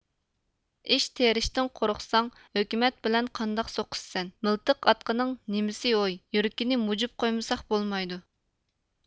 ئىش تېرىشتىن قورقساڭ ھۆكۈمەت بىلەن قانداق سوقۇشىسەن مىلتىق ئاتقىنىڭ نېمىسى ھوي يۈرىكىنى موجۇپ قويمىساق بولمايدۇ